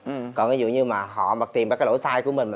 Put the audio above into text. còn ví dụ như mà họ mà tìm ra cái lỗi sai của mình